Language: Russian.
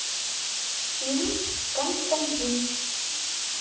фильм константин